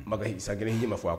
Ma sag kelenji ma fɔ a